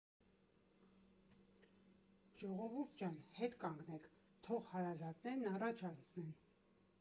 Ժողովուրդ ջան, հետ կանգնեք, թող հարազատներն առաջ անցնեն։